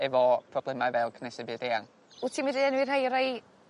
efo problemau fel cnesu byd eang. Wt ti mynd i enwi rhei o rhei